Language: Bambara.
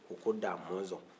ko da mɔnzɔn